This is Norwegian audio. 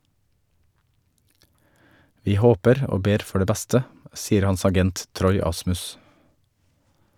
- Vi håper og ber for det beste, sier hans agent Troy Asmus.